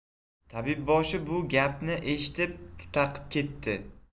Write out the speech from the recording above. tabibboshi bu gapni eshitib tutaqib ketdi